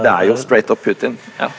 det er jo Putin ja.